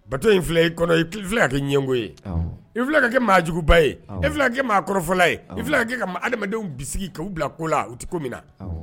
Bato in filɛ i kɔnɔ i ka kɛ ɲɛgo ye i ka kɛ maajuguba ye kɛ maa kɔrɔfɔfɔlɔla ye i kɛ ka adamadenw bisimila sigi ka u bila ko la u tɛ ko min na